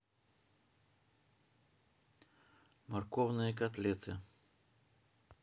морковные котлеты